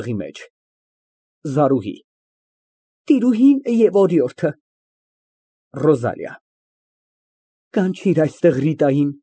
Հըմ, օրիորդ Իլդարյանն ուզում էր ինձ հավատացնել, որ մոդելը միայն իր համար է բերված։